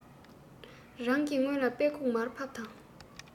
རང གི སྔོན ལ དཔེ ཁུག མར ཕབ དང